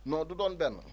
non du doon benn